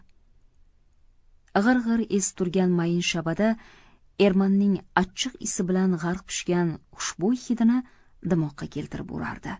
g'ir g'ir esib turgan mayin shabada ermanning achchiq isi bilan g'arq pishgan xushbo'y hidini dimoqqa keltirib urardi